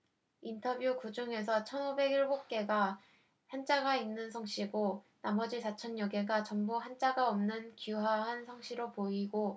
인터뷰 그중에서 천 오백 일곱 개가 한자가 있는 성씨고 나머지 사천 여 개가 전부 한자가 없는 귀화한 성씨로 보이고